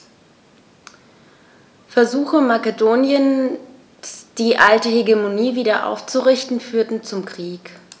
Versuche Makedoniens, die alte Hegemonie wieder aufzurichten, führten zum Krieg.